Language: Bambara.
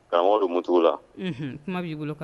Karamɔgɔ don muugu la kuma b'i bolo